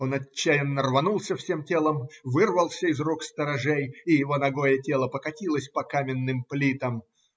Он отчаянно рванулся всем телом, вырвался из рук сторожей, и его нагое тело покатилось по каменным плитам.